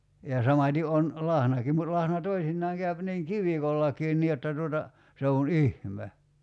ja samaten on lahnakin mutta lahna toisinaan käy niin kivikollakin niin jotta tuota se on ihme